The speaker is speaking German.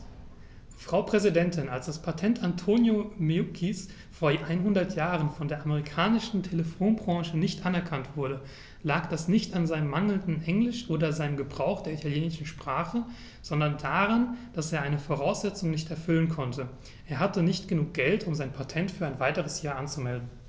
Frau Präsidentin, als das Patent Antonio Meuccis vor einhundert Jahren von der amerikanischen Telefonbranche nicht anerkannt wurde, lag das nicht an seinem mangelnden Englisch oder seinem Gebrauch der italienischen Sprache, sondern daran, dass er eine Voraussetzung nicht erfüllen konnte: Er hatte nicht genug Geld, um sein Patent für ein weiteres Jahr anzumelden.